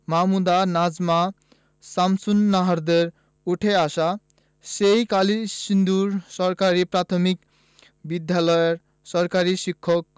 মাহমুদা নাজমা শামসুন্নাহারদের উঠে আসা সেই কলসিন্দুর সরকারি প্রাথমিক বিদ্যালয়ের সহকারী শিক্ষক